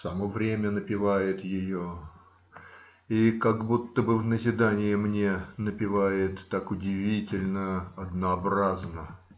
само время напевает ее и, как будто бы в назидание мне, напевает так удивительно однообразно.